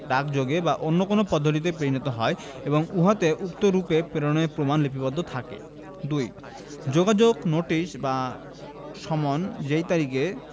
ডাকযোগে বা অন্য কোন পদ্ধতিতে প্রেরিত হয় এবং উহাতে উক্তরূপে প্রেরণের প্রমাণ লিপিবদ্ধ থাকে ২ যোগাযোগ নোটিশ বা সমন যেই তারিখে